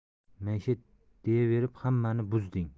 maishat deyaverib hammani buzding